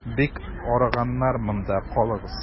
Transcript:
Бик арыганнар, монда калыгыз.